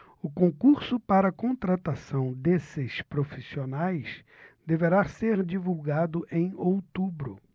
o concurso para contratação desses profissionais deverá ser divulgado em outubro